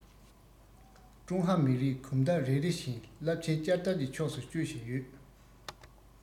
ཀྲུང ཧྭ མི རིགས གོམ སྟབས རེ རེ བཞིན རླབས ཆེན བསྐྱར དར གྱི ཕྱོགས སུ སྐྱོད བཞིན ཡོད